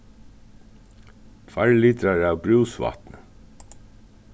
tveir litrar av brúsvatni